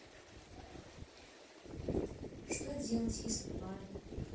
что делать если павел